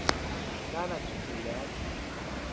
на ночь гулять